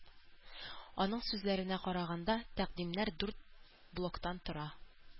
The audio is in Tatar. Аның сүзләренә караганда, тәкъдимнәр дүрт блоктан тора.